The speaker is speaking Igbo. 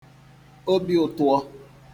obi ụ̀twọ